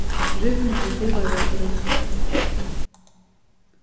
rivnar gularøtur